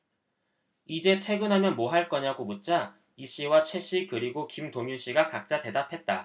이제 퇴근하면 뭐 할 거냐고 묻자 이씨와 최씨 그리고 김동윤씨가 각자 대답했다